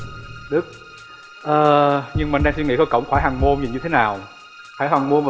đức ờ nhưng mà anh đang suy nghĩ coi cổng khải hoàn môn nhìn như thế nào khải hoàn môn